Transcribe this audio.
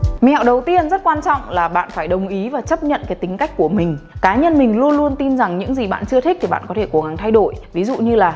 mẹo đầu tiên rất quan trọng là bạn phải đồng ý và chấp nhận cái tính cách của mình cá nhân mình luôn luôn tin rằng những gì bạn chưa thích thì bạn có thể cố gắng thay đổi ví dụ như là